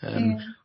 Yym. Iawn.